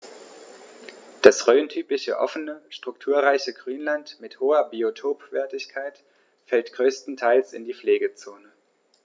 Das rhöntypische offene, strukturreiche Grünland mit hoher Biotopwertigkeit fällt größtenteils in die Pflegezone.